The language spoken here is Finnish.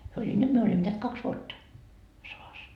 he oli nyt me olimme näet kaksi vuotta sodassa